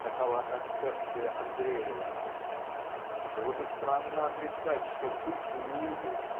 Такова концепция Андреева. Было бы странно отрицать что в душу Иуды